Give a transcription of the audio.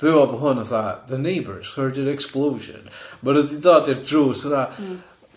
Dw i'n mewl bo' hwn fatha, the neighbours heard an explosion, ma' nhw 'di dod i'r drws fatha... Hmm. ...